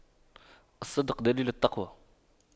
الصدق دليل التقوى